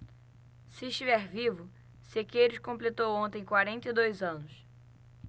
se estiver vivo sequeiros completou ontem quarenta e dois anos